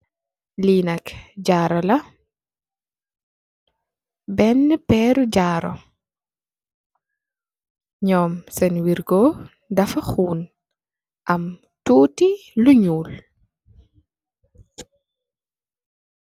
Lii nak jaaru la, beenë peeru jaaru, ñom seen wergoo, dafa xuun, am tuuti lu ñuul,